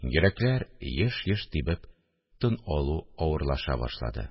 Йөрәкләр еш-еш тибеп, тын алу авырлаша башлады